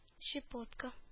Щепотка